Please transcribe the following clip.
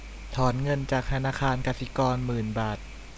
ถอนเงินจากธนาคารกสิกรหมื่นบาท